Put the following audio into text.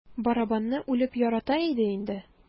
Барабанны үлеп ярата иде инде.